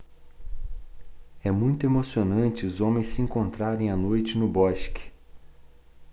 é muito emocionante os homens se encontrarem à noite no bosque